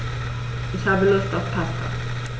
Ich habe Lust auf Pasta.